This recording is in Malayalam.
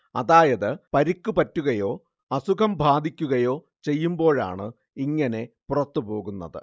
അതായത് പരിക്കു പറ്റുകയോ അസുഖം ബാധിക്കുകയോ ചെയ്യുമ്പോഴാണ് ഇങ്ങനെ പുറത്തുപോകുന്നത്